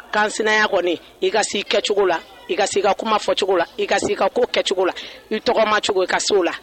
Kansinaya kɔnni ,i ka se kɛcogo la, i ka se ka kuma fɔ cogo la , i ka se i ka ko kɛcogo la , i taama cogo , i ka se o la.